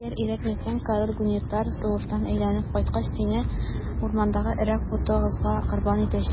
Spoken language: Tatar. Әгәр өйрәтмәсәң, король Гунитар сугыштан әйләнеп кайткач, сине урмандагы Өрәк потыгызга корбан итәчәк.